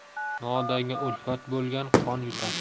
nodonga ulfat bo'lgan qon yutar